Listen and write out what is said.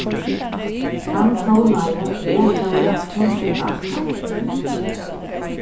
hann sovnaði og fór at snorka hart